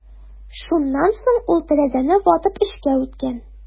Шуннан соң ул тәрәзәне ватып эчкә үткән.